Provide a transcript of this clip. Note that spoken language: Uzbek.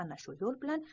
ana shu yo'l bilan